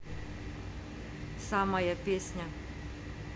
самая песня